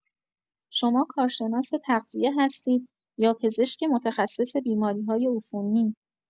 شما کارشناس تغذیه هستید، یا پزشک متخصص بیماری‌های عفونی؟